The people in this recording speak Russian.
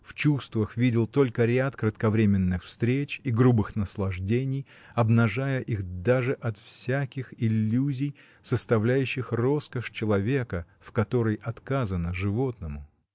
В чувствах видел только ряд кратковременных встреч и грубых наслаждений, обнажая их даже от всяких иллюзий, составляющих роскошь человека, в которой отказано животному.